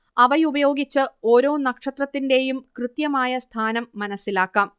അവയുപയോഗിച്ച് ഒരോ നക്ഷത്രത്തിന്റെയും കൃത്യമായ സ്ഥാനം മനസ്സിലാക്കാം